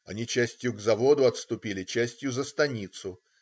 Они частью к заводу отступили, частью за станицу.